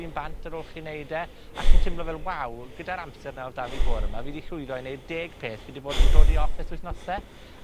un bant ar ôl chi neud e. A chi'n timlo fel waw! Gyda'r amser 'na odd 'da fi bore 'ma fi 'di llwyddo i neu deg peth wi 'di bod yn dodi off ers wythnose.